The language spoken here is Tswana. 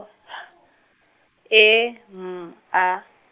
H E M A.